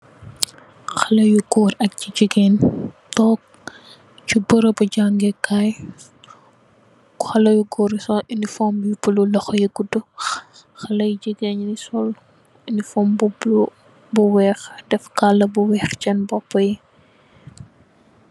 Xale bu góor ak jigéen tog si beremi jànge kai xale yu goori sol eleform yu bulu loxo yu gudu xale jigeen sol eleform bu bulu bu weex def kala bu wees sen bopai.